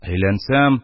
Әйләнсәм